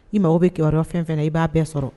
N'i mako bɛ kibaruya fɛn o fɛn na i b'a bɛɛ sɔrɔ.